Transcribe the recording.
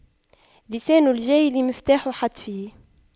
لسان الجاهل مفتاح حتفه